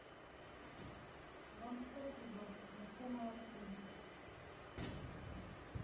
вам спасибо мы все молодцы